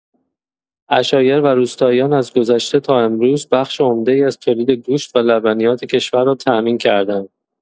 عشایر و روستاییان از گذشته تا امروز بخش عمده‌ای از تولید گوشت و لبنیات کشور را تأمین کرده‌اند.